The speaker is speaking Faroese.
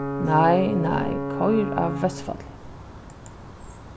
nei nei koyr á vestfallið